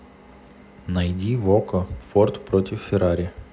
найди в окко форд против феррари